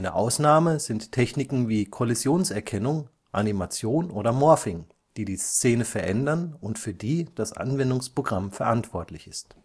Ausnahme sind Techniken wie Kollisionserkennung, Animation oder Morphing, die die Szene verändern und für die das Anwendungsprogramm verantwortlich ist